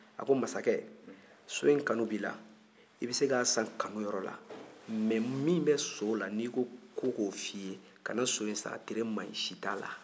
a ko masakɛ so in kanu b'i la i bɛ se k'a san kanu yɔrɔ la mɛ min bɛ so la n'i ko ko f'i ye kana so in san a tere man ɲi si t'a la